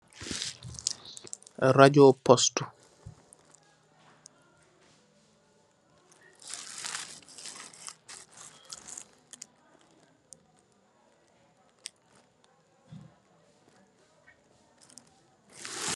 Rajoo postu